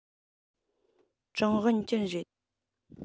ཀྲང ཝུན ཅུན རེད